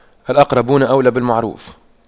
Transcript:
الأقربون أولى بالمعروف